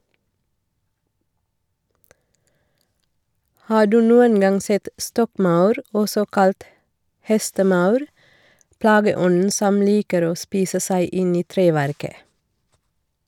Har du noen gang sett stokkmaur, også kalt hestemaur, plageånden som liker å spise seg inn i treverket?